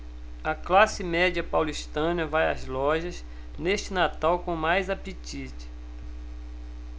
a classe média paulistana vai às lojas neste natal com mais apetite